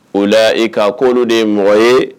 O la i ka koro de ye mɔgɔ ye